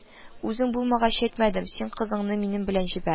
Үзең булмагач, әйтмәдем, син кызыңны минем белән җибәр